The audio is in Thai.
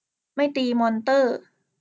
ไม่ตีมอนเตอร์